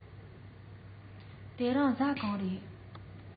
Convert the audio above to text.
དེ རིང གཟའ གང རས